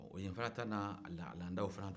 yen fana ta n'a laadaw fana don